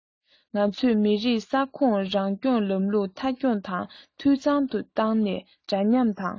ང ཚོས མི རིགས ས ཁོངས རང སྐྱོང ལམ ལུགས མཐའ འཁྱོངས དང འཐུས ཚང དུ བཏང ནས འདྲ མཉམ དང